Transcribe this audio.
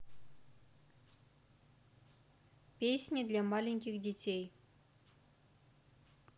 песни для маленьких детей